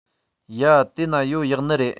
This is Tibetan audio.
ཡ དེས ན ཡོ ཡག ནི རེད